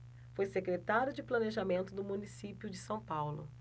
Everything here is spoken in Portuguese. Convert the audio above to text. foi secretário de planejamento do município de são paulo